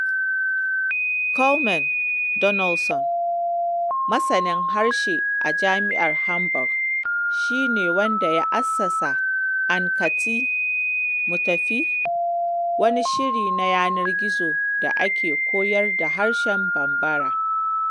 Coleman Donaldson, masanin harshe a Jami’ar Hamburg, shi ne wanda ya assasa An ka taa (“mu tafi”), wani shiri na yanar gizo da ke koyar da harshen Bambara.